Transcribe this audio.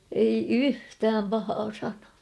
ei yhtään pahaa sanaa